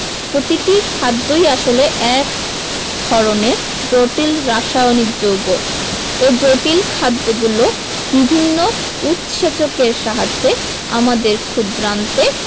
প্রতিটি খাদ্যই আসলে এক ধরনের জটিল রাসায়নিক যৌগ এ জটিল খাদ্যগুলো বিভিন্ন উৎসেচকের সাহায্যে আমাদের ক্ষুদ্রান্তে